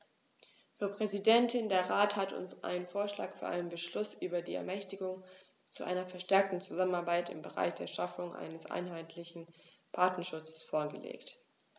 Frau Präsidentin, der Rat hat uns einen Vorschlag für einen Beschluss über die Ermächtigung zu einer verstärkten Zusammenarbeit im Bereich der Schaffung eines einheitlichen Patentschutzes vorgelegt.